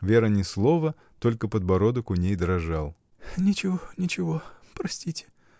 Вера — ни слова, только подбородок у ней дрожал. — Ничего, ничего — простите.